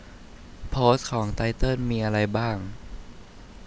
โพสต์ของไตเติ้ลมีอะไรบ้าง